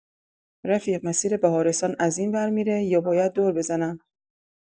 رفیق، مسیر بهارستان از این ور می‌ره یا باید دور بزنم؟